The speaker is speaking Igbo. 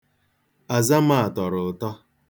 Azama a tọrọ ụtọ.